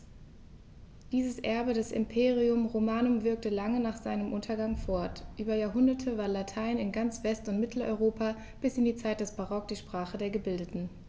Dieses Erbe des Imperium Romanum wirkte lange nach seinem Untergang fort: Über Jahrhunderte war Latein in ganz West- und Mitteleuropa bis in die Zeit des Barock die Sprache der Gebildeten.